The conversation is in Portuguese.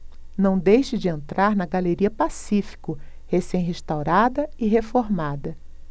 não deixe de entrar na galeria pacífico recém restaurada e reformada